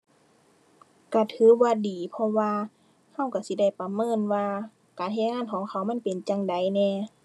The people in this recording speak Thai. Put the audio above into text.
ก็ถือว่าดี เพราะว่าก็ก็สิได้ประเมินว่าการเฮ็ดงานของเขามันเป็นจั่งใดแหน่